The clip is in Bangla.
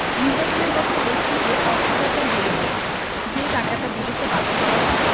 নির্বাচনের বছরে দেশ থেকে অর্থ পাচার বেড়ে যায় যে টাকাটা বিদেশে পাচার করা হয়